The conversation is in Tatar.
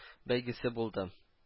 Бәйгесе булды